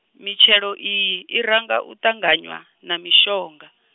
mitshelo iyi, i ranga u ṱanganywa, na mishonga.